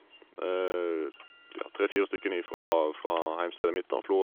Tja, tre fire stykker ifra fra heimstedet mitt, da, Florø.